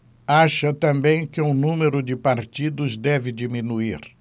acha também que o número de partidos deve diminuir